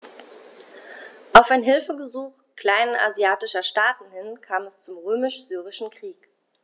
Auf ein Hilfegesuch kleinasiatischer Staaten hin kam es zum Römisch-Syrischen Krieg.